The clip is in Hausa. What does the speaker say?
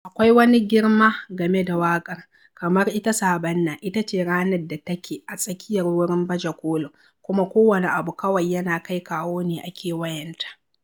Akwai wani girma game da waƙar: kamar ita Saɓannah ita ce ranar da take a tsakiyar wurin baje-kolin, kuma kowane abu kawai yana kai kawo ne a kewayenta.